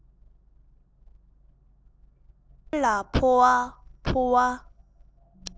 མགྲིན པ ལ ཕོ བ ཕོ བ